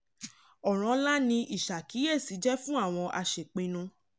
Ọ̀ràn ńlá ni ìṣàkíyèsí jẹ́ fún àwọn aṣèpinnu.